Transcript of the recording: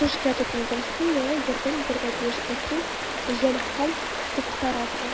Мин яхшы эшкә тотындым, син миңа ярдәм итәргә тиеш, ә син җәнҗал куптарасың.